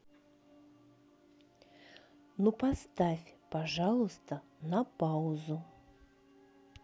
ну поставь пожалуйста на паузу